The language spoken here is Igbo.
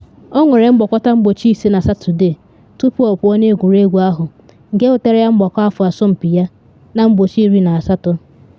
Ọ nwere mgbakọta mgbochi ise na Satọde tupu ọ pụọ n’egwuregwu ahụ, nke wetere mgbakọ afọ asọmpi ya na mgbochi 18.